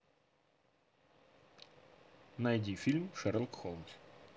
найди фильм шерлок холмс